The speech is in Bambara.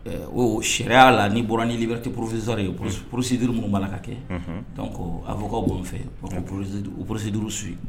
O sariya y'a la nii bɔra nlibte poroursizri ye p porosi duuruuru minnu' ka kɛ ko a fɔkaw b' fɛ p porosi duuruuru su